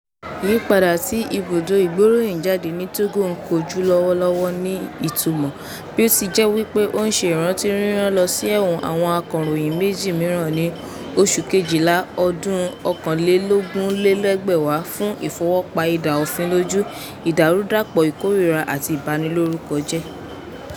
Ìyípadà tí ibùdó ìgbéròyìnjáde ní Togo ń kojú lọ́wọ́ lọ́wọ́ ní ìtumọ̀, bí ó ti jẹ́ wí pé ó ń ṣe ìrántí rírán lọ sí ẹ̀wọ̀n àwọn akọ̀ròyìn méjì mìíràn ní oṣù Kejìlá ọdún 2021 fún ìfọwọ́ pa idà òfin lójú, ìdàrúdàpọ̀ ìkórìíra àti ìbanilórúkọjẹ́.